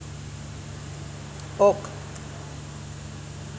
ок